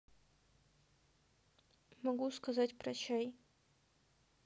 могу сказать прощай